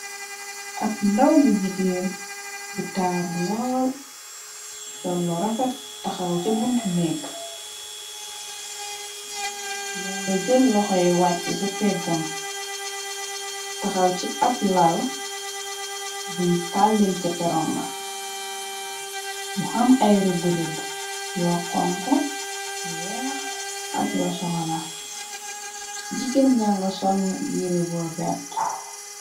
Ab ndaw bu jigéen bu taaru lo sollu rafet taxaw ca buntu nékk mo nga jël loxoy wàcc ca peggam taxaw ci ab laal buñ tàllel ca peromba mu ham ay rëderëd yoo xonk l weex ak yoo soxona jigéen janga solm yire bu vert.